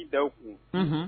I da kun